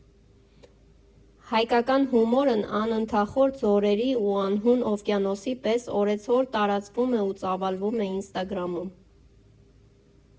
Հայկական հումորն անդնդախոր ձորերի ու անհուն օվկիանոսի պես օրեցօր տարածվում ու ծավալվում է ինստագրամում։